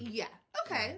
Ie, OK.